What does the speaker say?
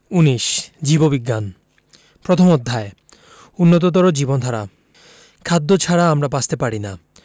জীববিজ্ঞান প্রথম অধ্যায় উন্নততর জীবনধারা খাদ্য ছাড়া আমরা বাঁচতে পারি না